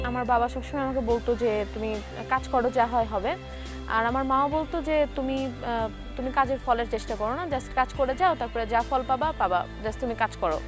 আমার বাবা সব সময় আমাকে বলত যে তুমি কাজ করো যা হয় হবে আর আমার মাও বলত যে তুমি কাজে ফলের চেষ্টা তারপর যা হল পাবা পাবা জাস্ট তুমি কাজ করো